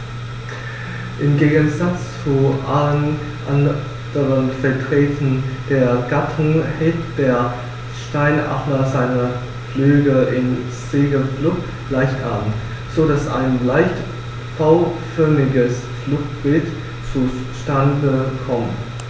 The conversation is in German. Im Gegensatz zu allen anderen Vertretern der Gattung hebt der Steinadler seine Flügel im Segelflug leicht an, so dass ein leicht V-förmiges Flugbild zustande kommt.